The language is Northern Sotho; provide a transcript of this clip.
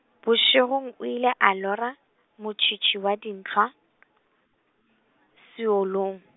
bošegong o ile a lora, motšhitšhi wa dintlhwa , seolong.